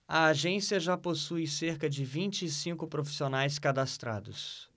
a agência já possui cerca de vinte e cinco profissionais cadastrados